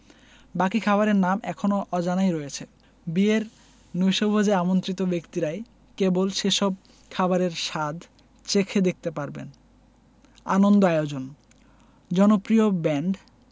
বাকি খাবারের নাম এখনো অজানাই রয়েছে বিয়ের নৈশভোজে আমন্ত্রিত ব্যক্তিরাই কেবল সেসব খাবারের স্বাদ চেখে দেখতে পারবেন আনন্দ আয়োজন জনপ্রিয় ব্যান্ড